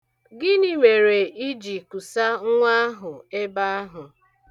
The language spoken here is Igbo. Gịnị mere ị ji kusa nnwa ahụ ebe ahụ?